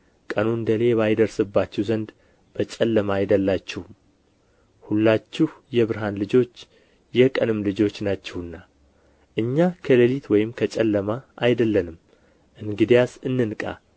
ቀኑ እንደ ሌባ ይደርስባችሁ ዘንድ በጨለማ አይደላችሁም ሁላችሁ የብርሃን ልጆች የቀንም ልጆች ናችሁና እኛ ከሌሊት ወይም ከጨለማ አይደለንም እንግዲያስ እንንቃ